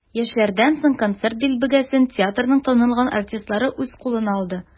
Яшьләрдән соң концерт дилбегәсен театрның танылган артистлары үз кулына алды.